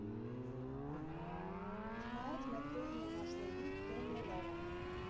Չնայած մետրոյի մենաշնորհի դեմն էլ առան.